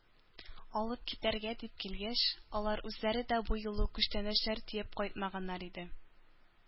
Алып китәргә дип килгәч, алар үзләре дә бу юлы күчтәнәчләр төяп кайтмаганнар иде.